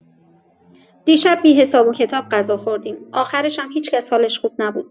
دیشب بی‌حساب و کتاب غذا خوردیم، آخرش هم هیچ‌کس حالش خوب نبود.